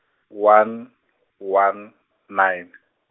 one, one, nine.